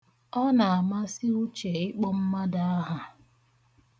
Ọ na-amasị Uche ịkpọ mmadụ aha.